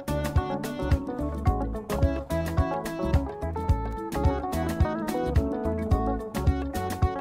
Maa kɛ nk mɛ kɛ diɲɛ laban